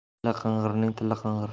dili qing'irning tili qing'ir